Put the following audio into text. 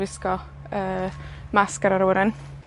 wisgo y masg ar yr awyren.